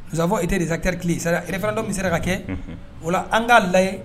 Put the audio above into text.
Nzafɔ e tɛ de sati sarare fanadɔ min sera ka kɛ wala an k'a lajɛ